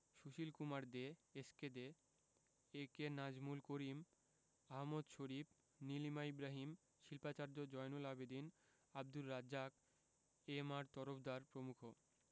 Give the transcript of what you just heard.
Sushil Kumar De S K De A K Nazmul Karim Ahmad Sharif Nilima Ibrahim Shilpacharya Zainul Abedin Abdur Razzaq M R Tarafdar প্রমুখ